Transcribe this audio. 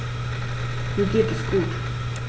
Mir geht es gut.